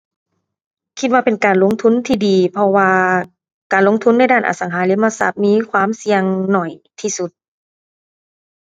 คิดว่าเป็นการลงทุนที่ดี เพราะว่า การลงทุนในด้านอสังหาริมทรัพย์มีความเสี่ยงน้อยที่สุด